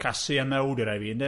Cassie an Now, di rai fi, ynde?